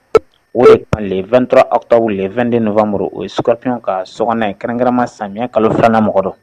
O ye 2ttɔ aw tɔww 2den ninnumuru o sukafiny ka sog in kɛrɛnkɛrɛnma samiyɛ kalo filanan mɔgɔ rɔ